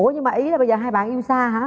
ủa nhưng mà ý là bây giờ hai bạn yêu xa hả